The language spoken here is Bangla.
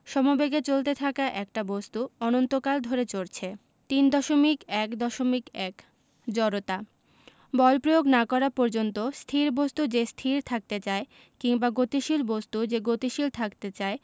সমবেগে চলতে থাকা একটা বস্তু অনন্তকাল ধরে চলছে ৩.১.১ জড়তা বল প্রয়োগ না করা পর্যন্ত স্থির বস্তু যে স্থির থাকতে চায় কিংবা গতিশীল বস্তু যে গতিশীল থাকতে চায়